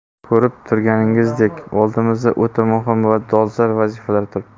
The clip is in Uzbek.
ko'rib turganingizdek oldimizda o'ta muhim va dolzarb vazifalar turibdi